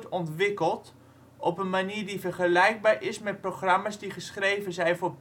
ontwikkeld op een manier die vergelijkbaar is met programma 's die geschreven zijn voor